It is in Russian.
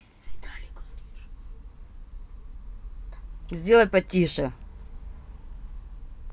сделай потише